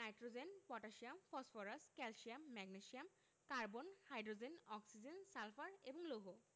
nitrogen potassium phosphorus calcium magnesium carbon hydrogen oxygen sulphur এবং লৌহ